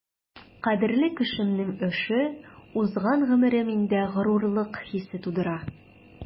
Кадерле кешемнең эше, узган гомере миндә горурлык хисе тудыра.